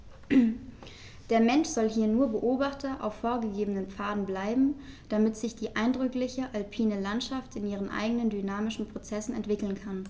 Der Mensch soll hier nur Beobachter auf vorgegebenen Pfaden bleiben, damit sich die eindrückliche alpine Landschaft in ihren eigenen dynamischen Prozessen entwickeln kann.